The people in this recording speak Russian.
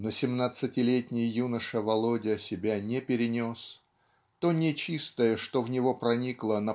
Но семнадцатилетний юноша Володя себя не перенес. То нечистое что в него проникло